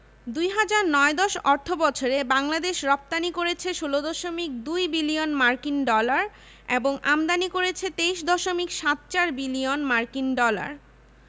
২০০৯ ১০ অর্থবছরে বাংলাদেশ রপ্তানি করেছে ১৬দশমিক ২ বিলিয়ন মার্কিন ডলার এবং আমদানি করেছে ২৩দশমিক সাত চার বিলিয়ন মার্কিন ডলার